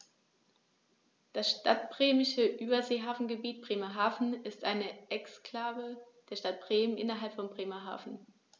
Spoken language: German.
Das Stadtbremische Überseehafengebiet Bremerhaven ist eine Exklave der Stadt Bremen innerhalb von Bremerhaven.